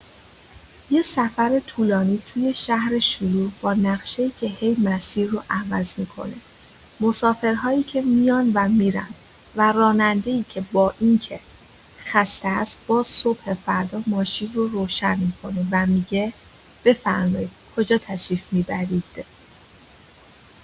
یه سفر طولانی توی شهری شلوغ، با نقشه‌ای که هی مسیر رو عوض می‌کنه، مسافرهایی که می‌آن و می‌رن، و راننده‌ای که با اینکه خسته‌ست، باز صبح فردا ماشین رو روشن می‌کنه و می‌گه: بفرمایید، کجا تشریف می‌برید؟